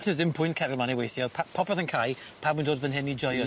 So o'dd ddim pwynt cario mlan i weithio o'dd pa- popeth yn cau pawb yn dod fyn hyn i joio.